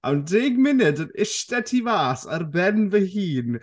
am deg munud, yn ishte tu fas, ar ben fy hun...